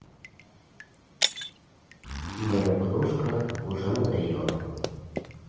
моя подружка уже надоела